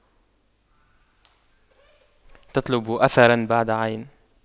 تطلب أثراً بعد عين